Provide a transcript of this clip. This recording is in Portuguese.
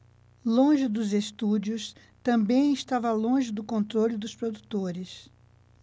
longe dos estúdios também estava longe do controle dos produtores